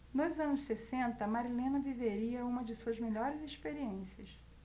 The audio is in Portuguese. nos anos sessenta marilena viveria uma de suas melhores experiências